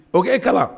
O kɛlen kala